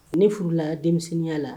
Ne furulaya denmisɛnninya la